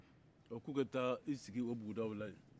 ɔ k'u ka taa i sigi o buguda o la yen